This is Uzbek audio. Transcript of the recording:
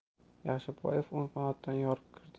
yaxshiboyev o'ng qanotdan yorib kirdi va